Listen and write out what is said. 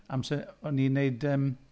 Amser o'n ni'n wneud yym...